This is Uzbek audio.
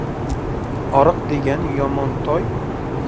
oriq degan yomon toy